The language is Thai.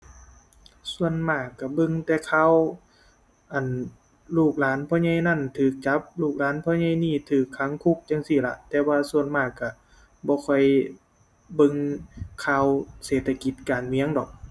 ส่วนมากก็เบิ่งแต่ข่าว อั่น ลูกหลานพ่อใหญ่นั้นก็จับ ลูกหลานพ่อใหญ่นี้ก็ขังคุกจั่งซี้ล่ะ แต่ว่าส่วนมากก็บ่ค่อยเบิ่งข่าวเศรษฐกิจ การเมืองดอก